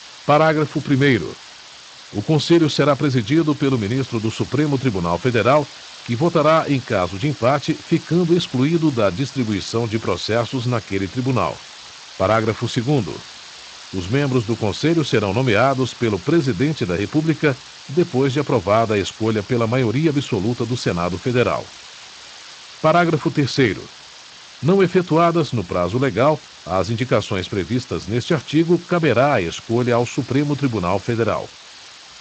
parágrafo primeiro o conselho será presidido pelo ministro do supremo tribunal federal que votará em caso de empate ficando excluído da distribuição de processos naquele tribunal parágrafo segundo os membros do conselho serão nomeados pelo presidente da república depois de aprovada a escolha pela maioria absoluta do senado federal parágrafo terceiro não efetuadas no prazo legal as indicações previstas neste artigo caberá a escolha ao supremo tribunal federal